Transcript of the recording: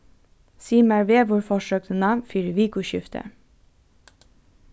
sig mær veðurforsøgnina fyri vikuskiftið